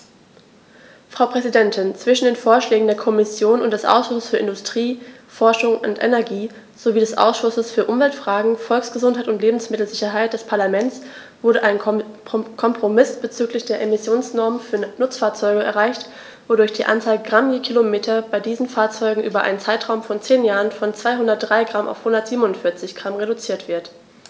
Frau Präsidentin, zwischen den Vorschlägen der Kommission und des Ausschusses für Industrie, Forschung und Energie sowie des Ausschusses für Umweltfragen, Volksgesundheit und Lebensmittelsicherheit des Parlaments wurde ein Kompromiss bezüglich der Emissionsnormen für Nutzfahrzeuge erreicht, wodurch die Anzahl Gramm je Kilometer bei diesen Fahrzeugen über einen Zeitraum von zehn Jahren von 203 g auf 147 g reduziert wird.